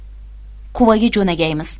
quvaga jo'nagaymiz